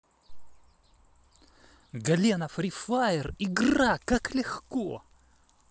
галена фри фаер игра как легко